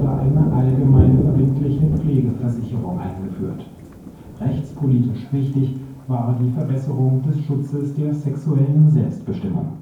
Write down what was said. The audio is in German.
eine allgemeinverbindliche Pflegeversicherung eingeführt. Rechtspolitisch wichtig war die Verbesserung des Schutzes der sexuellen Selbstbestimmung